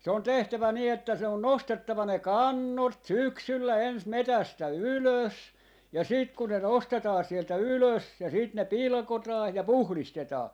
se on tehtävä niin että se on nostettava ne kannot syksyllä ensin metsästä ylös ja sitten kun ne nostetaan sieltä ylös ja sitten ne pilkotaan ja puhdistetaan